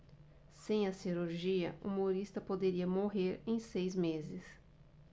sem a cirurgia humorista poderia morrer em seis meses